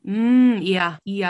Hmm ia ia.